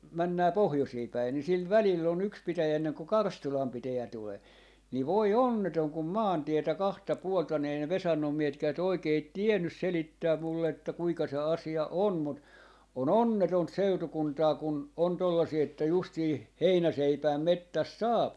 mennään pohjoisiin päin niin sillä välillä on yksi pitäjä ennen kuin Karstulan pitäjä tulee niin voi onneton kun maantietä kahta puolta niin ei ne Vesannon miehetkään oikein tiennyt selittää minulle että kuinka se asia on mutta on onnetonta seutukuntaa kun on tuollaisia että justiin heinäseipään metsästä saa